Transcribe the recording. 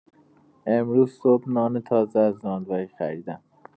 امروز صبح نان تازه از نانوایی خریدم.